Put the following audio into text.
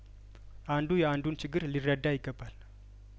አንዱ የአንዱን ችግር ሊረዳ ይገባል